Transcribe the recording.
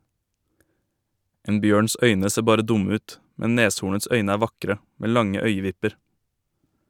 En bjørns øyne ser bare dumme ut, men neshornets øyne er vakre, med lange øyevipper.